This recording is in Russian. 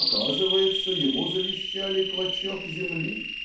Оказывается, ему завещали клочок земли.